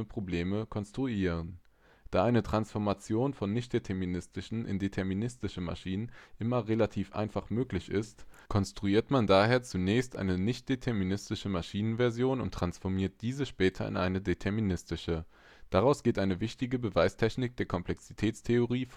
Problem konstruieren. Da eine Transformation von nichtdeterministischen in deterministische Maschinen immer relativ einfach möglich ist, konstruiert man daher zunächst eine nichtdeterministische Maschinenversion und transformiert diese später in eine deterministische. Daraus geht eine wichtige Beweistechnik der Komplexitätstheorie